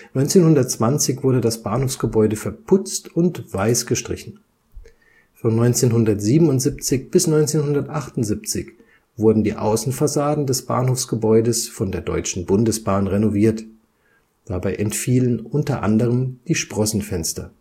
1920 wurde das Bahnhofsgebäude verputzt und weiß gestrichen. Von 1977 bis 1978 wurden die Außenfassaden des Bahnhofsgebäudes von der Deutschen Bundesbahn renoviert, dabei entfielen unter anderem die Sprossenfenster